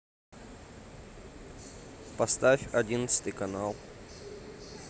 поставь одиннадцатый канал